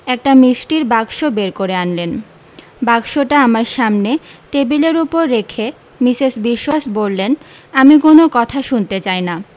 একটা মিষ্টির বাক্স বের করে আনলেন বাক্সটা আমার সামনে টেবিলের উপর রেখে মিসেস বিশোয়াস বললেন আমি কোনো কথা শুনতে চাই না